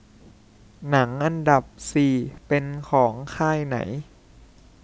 หนังอันดับสี่เป็นของค่ายไหน